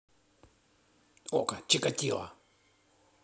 okko чикатило